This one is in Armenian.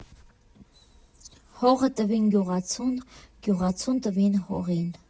Հողը տվին գյուղացուն, գյուղացուն տվին հողին։